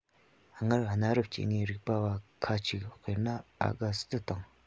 སྔར གནའ རབས སྐྱེ དངོས རིག པ བ ཁ ཅིག དཔེར ན ཨ དགའ སི ཛི དང